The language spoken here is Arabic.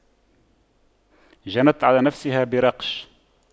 جنت على نفسها براقش